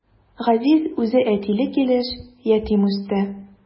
Газиз үзе әтиле килеш ятим үсте.